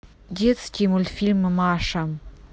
детские мультфильмы маша